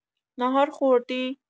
ناهار خوردی؟